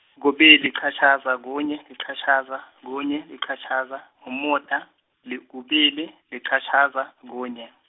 kubili, liqatjhaza, kunye, liqatjhaza, kunye, liqatjhaza, mumuda, li kubili, liqatjhaza, kunye.